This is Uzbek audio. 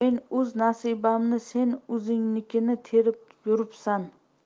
men o'z nasibamni sen o'zingnikini terib yuribsan